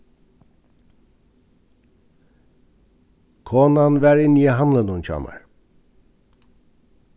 konan var inni í handlinum hjá mær